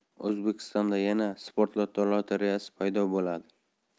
o'zbekistonda yana sportloto lotereyasi paydo bo'ladi